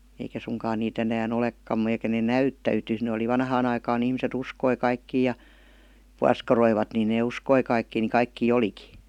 eikä suinkaan niitä enää olekaan eikä ne näyttäytynyt ne oli vanhaan aikaan ihmiset uskoi kaikkia ja puoskaroivat niin ne uskoi kaikkia niin kaikkia olikin